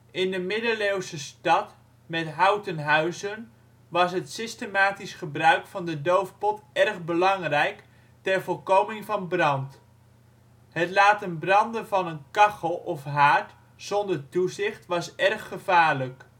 In een middeleeuwse stad met houten huizen was het systematisch gebruik van de doofpot erg belangrijk ter voorkoming van brand. Het laten branden van een kachel of haard zonder toezicht was erg gevaarlijk